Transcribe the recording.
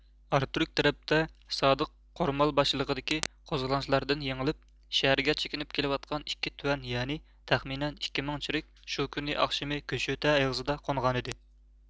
ئاراتۈرۈك تەرەپتە سادىق قورمال باشچىلىقىدىكى قوزغىلاڭچىلاردىن يېڭىلىپ شەھەرگە چېكىنىپ كېلىۋاتقان ئىككى تۇەن يەنى تەخمىنەن ئىككى مىڭ چېرىك شۇ كۈنى ئاخشىمى كۆشۆتە ئېغىزىدا قونغانىدى